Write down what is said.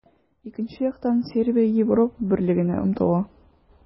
Икенче яктан, Сербия Европа Берлегенә омтыла.